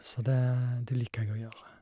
Så det det liker jeg å gjøre.